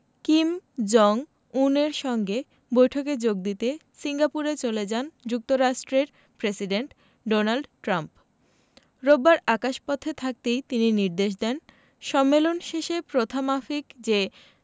Kim Jong উনের সঙ্গে বৈঠকে যোগ দিতে সিঙ্গাপুরে চলে যান যুক্তরাষ্ট্রের প্রেসিডেন্ট ডোনাল্ড ট্রাম্প রোববার আকাশপথে থাকতেই তিনি নির্দেশ দেন সম্মেলন শেষে প্রথামাফিক যে